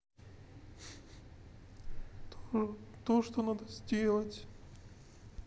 что то надо делать